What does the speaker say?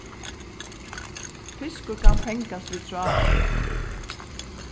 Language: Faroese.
fiskur kann fangast við tráðu